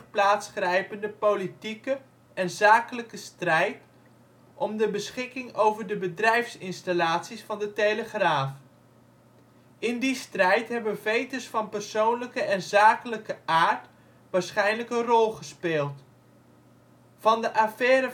plaatsgrijpende politieke en zakelijke strijd om de beschikking over de bedrijfsinstallaties van De Telegraaf. In die strijd hebben vetes van persoonlijke en zakelijke aard waarschijnlijk een rol gespeeld. Van de affaire van 1945/1949